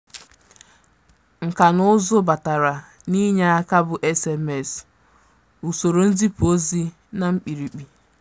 Nkà na ụzụ batara n'ịnye aka bụ SMS (Usoro Nzipụ Ozi na Mkpirikpi).